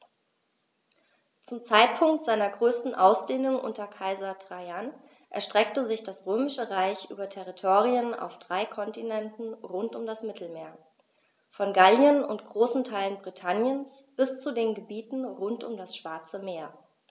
Zum Zeitpunkt seiner größten Ausdehnung unter Kaiser Trajan erstreckte sich das Römische Reich über Territorien auf drei Kontinenten rund um das Mittelmeer: Von Gallien und großen Teilen Britanniens bis zu den Gebieten rund um das Schwarze Meer.